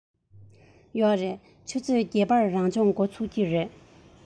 ཡོད རེད ཆུ ཚོད བརྒྱད པར རང སྦྱོང འགོ ཚུགས ཀྱི རེད